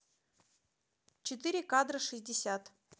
четыре кадра шестьдесят